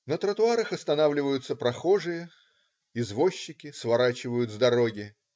На тротуарах останавливаются прохожие, извозчики сворачивают с дороги.